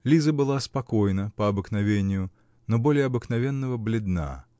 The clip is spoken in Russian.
Лиза была спокойна по обыкновению, но более обыкновенного бледна.